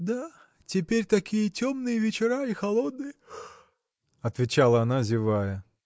– Да, теперь такие темные вечера, и холодные, – отвечала она, зевая.